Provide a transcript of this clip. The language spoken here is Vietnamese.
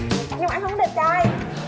nhưng mà anh không có đẹp trai